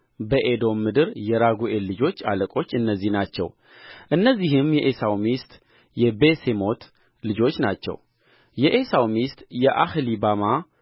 በኤዶም ምድር የራጉኤል ልጆች አለቆች እነዚህ ናቸው እነዚህም የዔሳው ሚስት የቤሴሞት ልጆች ናቸው የዔሳው ሚስት የአህሊባማ